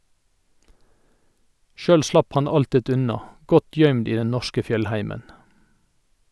Sjølv slapp han alltid unna, godt gøymd i den norske fjellheimen.